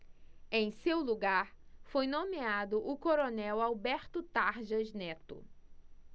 em seu lugar foi nomeado o coronel alberto tarjas neto